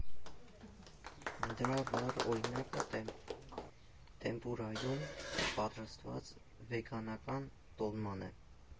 Դրա վառ օրինակը տեմպուրայում պատրաստված վեգանական տոլման է։